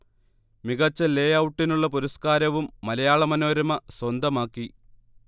മികച്ച ലേ ഔട്ടിനുള്ള പുരസ്കാരവും മലയാള മനോരമ സ്വന്തമാക്കി